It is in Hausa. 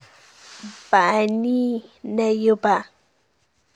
Ba ni nayi ba.”